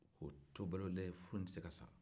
k'o to balolen furu in tɛ se ka sa